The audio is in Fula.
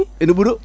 ene ɓuura